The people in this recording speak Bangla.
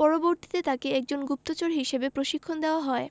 পরবর্তীতে তাকে একজন গুপ্তচর হিসেবে প্রশিক্ষণ দেওয়া হয়